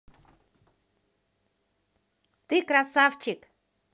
ты красавчик